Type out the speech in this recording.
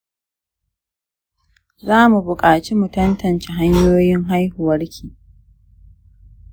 zamu bukaci mu tantance hanyoyin haihuwarki